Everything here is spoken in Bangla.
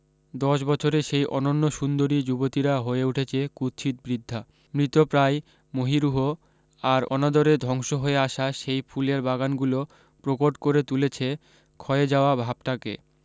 দশবছরে সেই অনন্য সুন্দরী যুবতীরা হয়ে উঠেছে কুৎসিত বৃদ্ধা মৃতপ্রায় মহীরুহ আর অনাদরে ধংস হয়ে আসা সেই ফুলের বাগান গুলো প্রকট করে তুলেছে ক্ষয়ে যাওয়া ভাবটাকে